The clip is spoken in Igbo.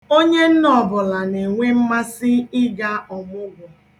Onye nne ọbụla na-enwe mmasị ịga ọmụgwọ.